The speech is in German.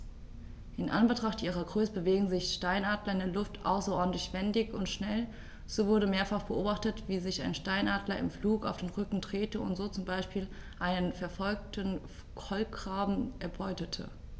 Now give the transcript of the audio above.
In Anbetracht ihrer Größe bewegen sich Steinadler in der Luft außerordentlich wendig und schnell, so wurde mehrfach beobachtet, wie sich ein Steinadler im Flug auf den Rücken drehte und so zum Beispiel einen verfolgenden Kolkraben erbeutete.